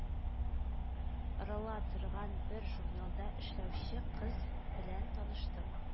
Рыла торган бер журналда эшләүче кыз белән таныштым